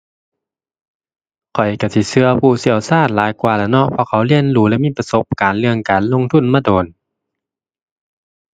ข้อยก็สิก็ผู้เชี่ยวชาญหลายกว่าละเนาะ เพราะเขาเรียนรู้และมีประสบการณ์เรื่องการลงทุนมาโดน